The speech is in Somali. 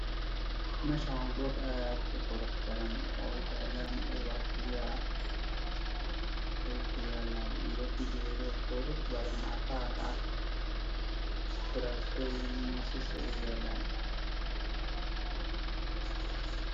Meeshan oo meel maqaayad ah waxaa yaalla kuraas waxaa ka baxaya geeda cagaar oo aada u qurux badan dhulka waa matalo cadaan iyo roog cagaar ah